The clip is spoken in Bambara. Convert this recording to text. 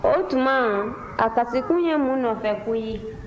o tuma a kasikun ye mun nɔfɛko ye